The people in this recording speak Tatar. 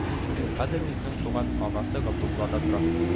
Хәзер үзенең туган агасы Габдуллада тора